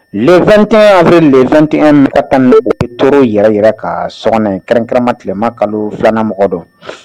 2kɛ a bɛ 2tigɛ nɛgɛ tan ni to yɛrɛ yɛrɛ ka so kɛrɛnkɛma tilema kalo filanan mɔgɔ dɔn